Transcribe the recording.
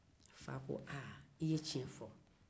fa ko i ye tiɲɛ fɔ